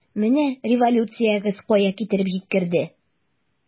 Менә революциягез кая китереп җиткерде!